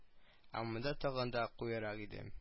Ә монда тагын да куерак иде